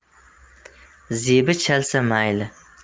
zebi chalsa mayli